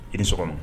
I ni sɔgɔma!